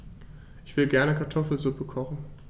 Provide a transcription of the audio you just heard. Ich will gerne Kartoffelsuppe kochen.